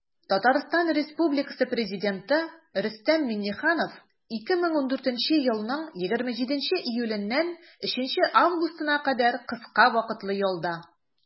Татарстан Республикасы Президенты Рөстәм Миңнеханов 2014 елның 27 июленнән 3 августына кадәр кыска вакытлы ялда.